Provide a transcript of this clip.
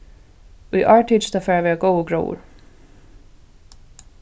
í ár tykist at fara at vera góður gróður